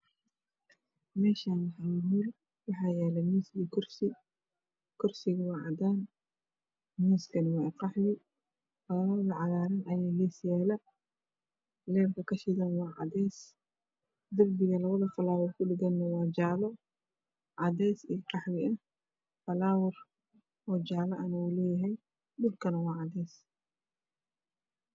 Meshan hol waxaa yala miis iyo kursi gu waa cadan miskana waa qaxwi falawar cagaran ayaa gees yala leerka ka shidan waa cadees derbiga labada falawar ku dhegana waa jalo cadees iyo qaxwi falawar jalan wuu leyahay